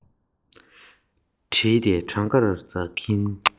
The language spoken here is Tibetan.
གླེང སྐབས གཅེན པོ དང ང གཉིས ཀྱིས